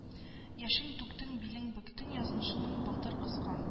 Яшең түктең билең бөктең язмышыңны былтыр кыскан